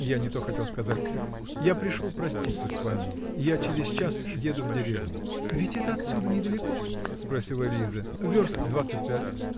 я не то хотел сказать, я пришел проститься с вами, я через час еду в деревню. -- Ведь это отсюда недалеко? -- спросила Лиза. -- Верст двадцать пять.